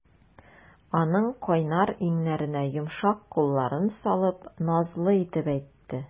Аның кайнар иңнәренә йомшак кулларын салып, назлы итеп әйтте.